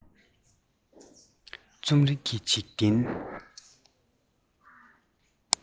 རྩོམ རིག གི འཇིག རྟེན